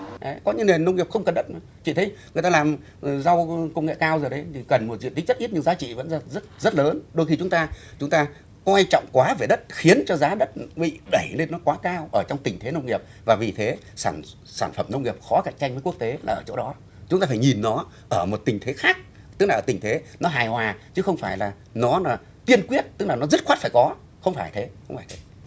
đấy có nền nông nghiệp không cần đất chị thấy người ta làm rau công nghệ cao rồi đấy chỉ cần một diện tích đất ít nhưng giá trị vẫn rất rất lớn đôi khi chúng ta chúng ta coi trọng quá về đất khiến cho giá đất bị đẩy lên nó quá cao ở trong tình thế nông nghiệp và vì thế sản xuất sản phẩm nông nghiệp khó cạnh tranh với quốc tế ở chỗ đó chúng ta phải nhìn nó ở một tình thế khác tức là ở tình thế nó hài hòa chứ không phải là nó là kiên quyết tức là nó dứt khoát phải có không phải thế vâng